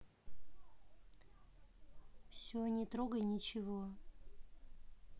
все не трогай ничего